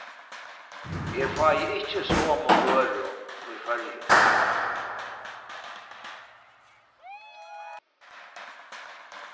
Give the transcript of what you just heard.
eg fái ikki somu vøru í føroyum